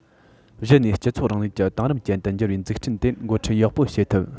གཞི ནས སྤྱི ཚོགས རིང ལུགས ཀྱི དེང རབས ཅན དུ འགྱུར བའི འཛུགས སྐྲུན དེར འགོ ཁྲིད ཡག པོར བྱེད ཐུབ